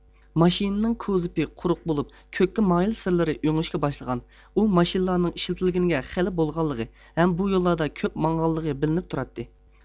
ماشىنىنىڭ كوزۇپى قۇرۇق بولۇپ كۆككە مايىل سىرلىرى ئۆڭۈشكە باشلىغان ئۇ ماشىنىلارنىڭ ئىشلىتىلگىنىگە خېلى بولغانلىقى ھەم بۇ يوللاردا كۆپ ماڭغانلىقى بىلىنىپ تۇراتتى